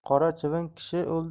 qora chivin kishi